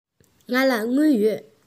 ང ལ དངུལ ཡོད